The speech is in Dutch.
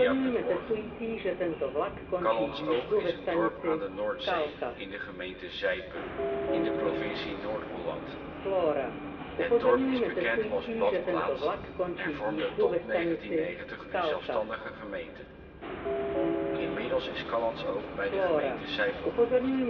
NB 4° 41 ' OL Callantsoog Plaats in Nederland Situering Provincie Noord-Holland Gemeente Schagen Algemeen Inwoners 1956 Detailkaart Locatie in de gemeente Foto 's Zicht op Callantsoog. Portaal Nederland Kerk van Callantsoog Callantsoog is een dorp aan de Noordzee, in de gemeente Zijpe in de provincie Noord-Holland. Het dorp is bekend als badplaats en vormde tot 1990 een zelfstandige gemeente. Inmiddels is Callantsoog bij de gemeente Zijpe gevoegd